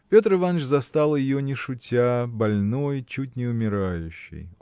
Петр Иваныч застал ее не шутя больной, чуть не умирающей.